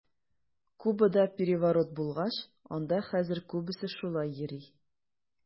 Кубада переворот булгач, анда хәзер күбесе шулай йөри.